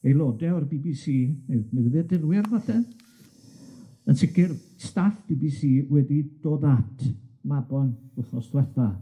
Aelode o'r Bee Bee See, neu newyddiadurwyr falle yn sicir staff Bee Bee See wedi dod at Mabon wythnos dwetha